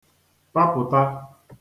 papụ̀ta